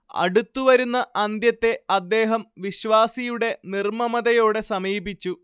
അടുത്തുവരുന്ന അന്ത്യത്തെ അദ്ദേഹം വിശ്വാസിയുടെ നിർമ്മമതയോടെ സമീപിച്ചു